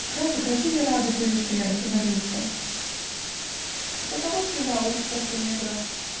Граф и графиня рады были, что я разговорился. -- А каково стрелял он? -- спросил меня граф.